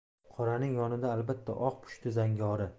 qoraning yonida albatta oq pushti zangori